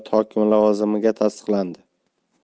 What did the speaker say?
viloyati hokimi lavozimiga tasdiqlandi